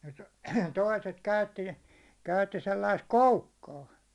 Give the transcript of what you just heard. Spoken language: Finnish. - toiset käytti käytti sellaista koukkaa